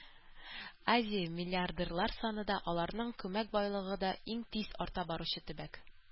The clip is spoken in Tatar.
Азия – миллиардерлар саны да, аларның күмәк байлыгы да иң тиз арта баручы төбәк.